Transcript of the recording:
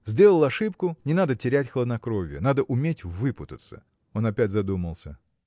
сделал ошибку – не надо терять хладнокровия, надо уметь выпутаться. Он опять задумался.